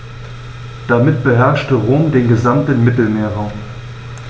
Damit beherrschte Rom den gesamten Mittelmeerraum.